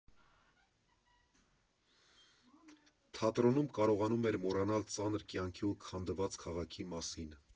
Թատրոնում կարողանում էր մոռանալ ծանր կյանքի ու քանդված քաղաքի մասին։